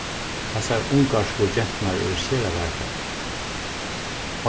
hasar ungarsku genturnar eru sera vakrar